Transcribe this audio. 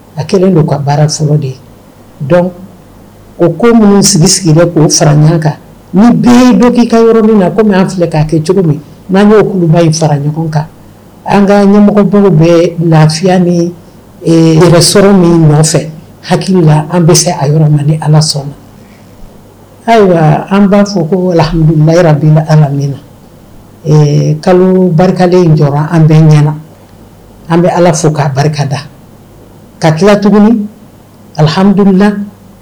A kɛlen o ko minnu sigi sigi fara ɲɔgɔn kan ni ka min na an filɛ k'a kɛ cogo min n'anba fara ɲɔgɔn kan an ka ɲɛmɔgɔ bɛ lafiya ni yɛrɛsɔrɔ min nɔfɛ hakili la an bɛ se a yɔrɔ ma ala sɔnna ayiwa an b'a fɔ koha bin ala min na kalo barikalen in jɔ an bɛ ɲɛana an bɛ ala fo k'a barika da ka tila tuguni alihamidu